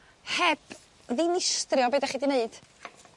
heb ddinistrio be' 'dach chi 'di neud.